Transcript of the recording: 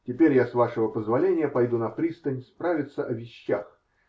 Теперь я, с вашего позволения, пойду на пристань справиться о вещах.